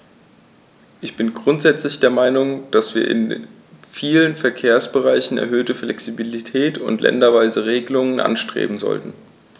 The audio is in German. Ich bin grundsätzlich der Meinung, dass wir in vielen Verkehrsbereichen erhöhte Flexibilität und länderweise Regelungen anstreben sollten.